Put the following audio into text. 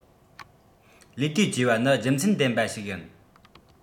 ལས དུས བརྗེ བ ནི རྒྱུ མཚན ལྡན པ ཞིག ཡིན